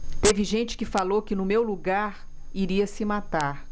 teve gente que falou que no meu lugar iria se matar